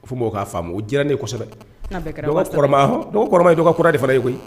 Fo'a o diyara ne kɔ kosɛbɛma kura de fana ye koyi